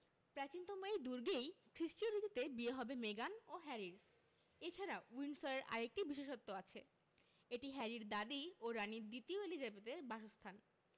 প্রাচীনতম এই দুর্গেই খ্রিষ্টীয় রীতিতে বিয়ে হবে মেগান ও হ্যারির এ ছাড়া উইন্ডসরের আরেকটি বিশেষত্ব আছে এটি হ্যারির দাদি ও রানি দ্বিতীয় এলিজাবেথের বাসস্থান